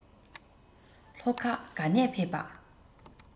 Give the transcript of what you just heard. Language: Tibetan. ལྷོ ཁ ག ནས ཕེབས པྰ